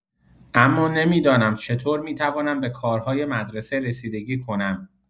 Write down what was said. اما نمی‌دانم چطور می‌توانم به کارهای مدرسه رسیدگی کنم.